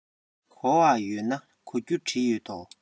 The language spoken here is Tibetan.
གོ བ ཡོད ན གོ རྒྱུ བྲིས ཡོད དོ